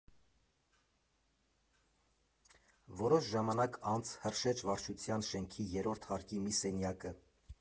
Որոշ ժամանակ անց՝ Հրշեջ վարչության շենքի երրորդ հարկի մի սենյակը։